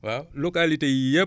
waaw localités yii yépp